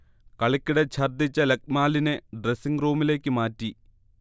കളിക്കിടെ ഛർദിച്ച ലക്മാലിനെ ഡ്രസിങ്ങ് റൂമിലേക്ക് മാറ്റി